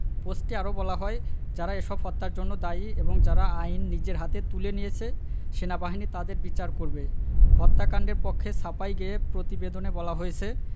পোস্টে আরো বলা হয় যারা এসব হত্যার জন্য দায়ী এবং যারা আইন নিজের হাতে তুলে নিয়েছে সেনাবাহিনী তাদের বিচার করবে হত্যাকাণ্ডের পক্ষে সাফাই গেয়ে প্রতিবেদনে বলা হয়েছে